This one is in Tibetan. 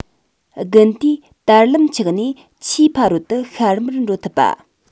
དགུན དུས དར ལམ ཆགས ནས ཆུའི ཕ རོལ ཏུ ཤར མར འགྲོ ཐུབ པ